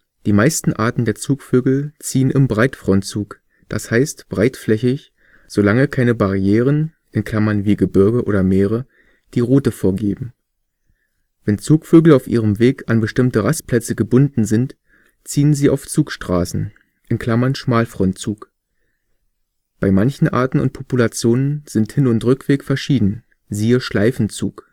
Die meisten Arten der Zugvögel ziehen im Breitfrontzug, das heißt breitflächig, solange keine Barrieren (wie Gebirge oder Meere) die Route vorgeben. Wenn Zugvögel auf ihrem Weg an bestimmte Rastplätze gebunden sind, ziehen sie auf Zugstraßen (Schmalfrontzug). Bei manchen Arten und Populationen sind Hin - und Rückweg verschieden, siehe Schleifenzug